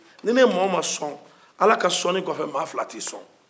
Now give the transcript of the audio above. ni ne ye mɔgɔ o mɔgɔ sɔn ala ka sɔni kɔ fɛ mɔgɔ fila t'i sɔn